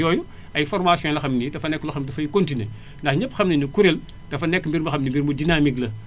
yooyu ay formations la yoo xam ne ni dafa nekk loo xam ne dafay continué ndax ñépp xam nañu ne kuréel dafa nekk mbir moo xam ne mbir mu dynamique la